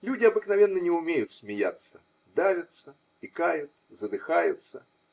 Люди обыкновенно не умеют смеяться, давятся, икают, задыхаются.